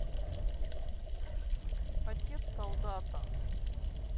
отец солдата